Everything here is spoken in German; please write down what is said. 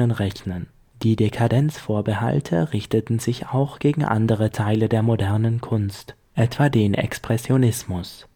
rechnen. Die Dekadenzvorbehalte richteten sich auch gegen andere Teile moderner Kunst, etwa den Expressionismus